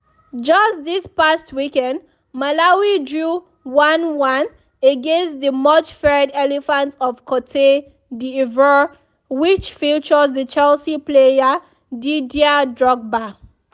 Just this past weekend, Malawi drew 1-1 against the much feared Elephants of Cote d'Ivoire which features the Chelsea player Didier Drogba.